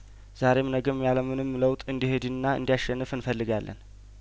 ዛሬም ነገም ያለምንም ለውጥ እንዲሄድና እንዲ ያሸንፍ እንፈልጋለን